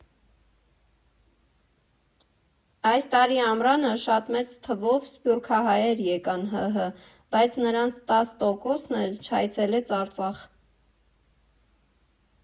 Այս տարի ամռանը շատ մեծ թվով սփյուռքահայեր եկան ՀՀ, բայց նրանց տասը տոկոսն էլ չայցելեց Արցախ։